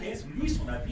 Misi sɔnna bi